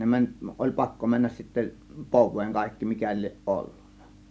ne meni oli pakko mennä sitten poveen kaikki mikä lie ollut